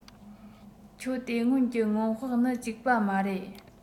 ཁྱོད དེ སྔོན གྱི སྔོན དཔག ནི གཅིག པ མ རེད